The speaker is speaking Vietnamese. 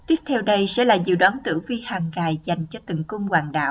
tiếp theo đây sẽ là dự đoán tử vi hàng ngày dành cho từng cung hoàng đạo